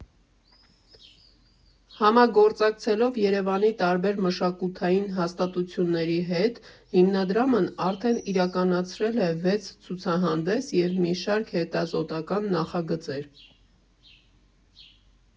Համագործակցելով Երևանի տարբեր մշակութային հաստատությունների հետ՝ հիմնադրամն արդեն իրականացրել է վեց ցուցահանդես և մի շարք հետազոտական նախագծեր։